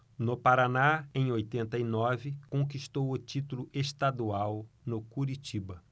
no paraná em oitenta e nove conquistou o título estadual no curitiba